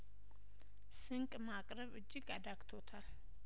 ስንቅ ማቅረብ እጅግ አዳግቶታል